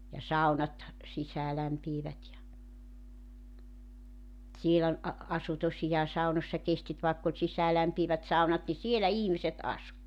ja saunat sisäänlämpiävät ja siellä oli - asui tosiaan saunoissa kestit vaikka oli sisäänlämpiävät saunat niin siellä ihmiset asui